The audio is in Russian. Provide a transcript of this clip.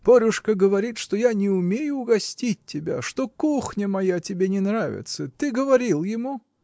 Борюшка говорит, что я не умею угостить тебя, что кухня моя тебе не нравится: ты говорил ему?